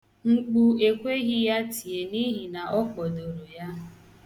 Mkpu ekweghi ya tie n' ihi na ọ kpọdoro ya.